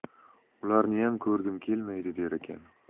ularniyam ko'rgim kelmaydi der ekan